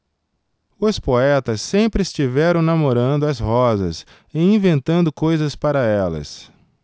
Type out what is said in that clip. os poetas sempre estiveram namorando as rosas e inventando coisas para elas